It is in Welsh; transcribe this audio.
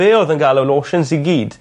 fe odd yn ga'l y losins i gyd.